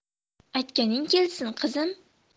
aytganing kelsin qizim